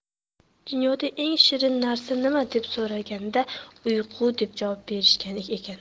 dunyoda eng shirin narsa nima deb so'ralganda uyqu deb javob berishgan ekan